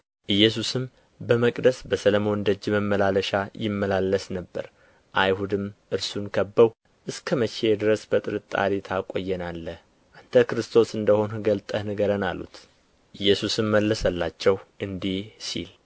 ኢየሱስም በመቅደስ በሰሎሞን ደጅ መመላለሻ ይመላለስ ነበር አይሁድም እርሱን ከበው እስከ መቼ ድረስ በጥርጣሪ ታቆየናለህ አንተ ክርስቶስ እንደ ሆንህ ገልጠህ ንገረን አሉት ኢየሱስም መለሰላቸው እንዲህ ሲል